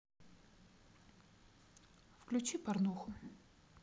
включи порнуху